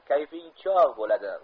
kayfmg chog' bo'ladi